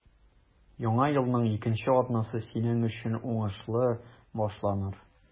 Яңа елның икенче атнасы синең өчен уңышлы башланыр.